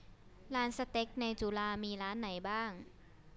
ร้านสเต็กในจุฬามีร้านไหนบ้าง